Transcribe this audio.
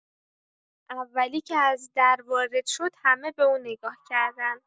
اولی که از در وارد شد، همه به او نگاه کردند.